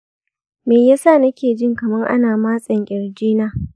me ya sa nake jin kamar ana matsen kirjina?